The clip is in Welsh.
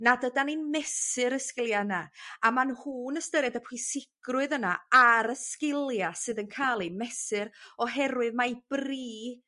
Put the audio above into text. nad ydan ni'n mesur y sglia yna a ma' nhw'n ystyried y pwysigrwydd yna ar y sgilia sydd yn ca'l eu mesur oherwydd mai bri